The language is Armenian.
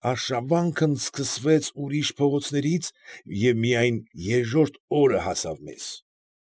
Արշավանքն սկսվեց ուրիշ փողոցներից և միայն երկրորդ օրը հասավ մեզ։